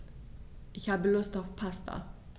Ich habe Lust auf Pasta.